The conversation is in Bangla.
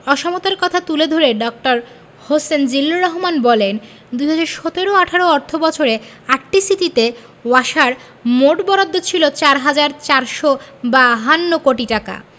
অসমতার কথা তুলে ধরে ড. হোসেন জিল্লুর রহমান বলেন ২০১৭ ১৮ অর্থবছরে আটটি সিটিতে ওয়াসার মোট বরাদ্দ ছিল ৪ হাজার ৪৫২ কোটি টাকা